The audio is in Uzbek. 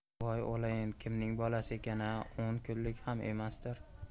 voy o'layin kimning bolasi ekan a o'n kunlik ham emasdir